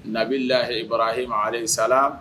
Nabili lahi barahi ma ale sa